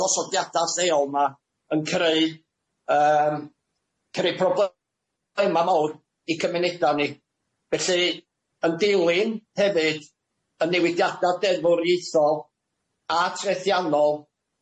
gosodiada' lleol ma yn creu yym creu problema mawr i cymuneda' ni felly yn dilyn hefyd ynnewidiada deddfwriaethol a trethiannol